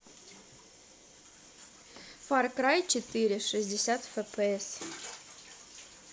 фар край четыре шестьдесят фпс